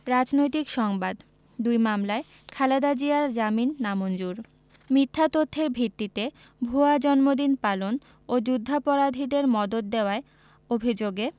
রাজনৈতিক সংবাদ দুই মামলায় খালেদা জিয়ার জামিন নামঞ্জুর মিথ্যা তথ্যের ভিত্তিতে ভুয়া জন্মদিন পালন ও যুদ্ধাপরাধীদের মদদ দেওয়ার অভিযোগে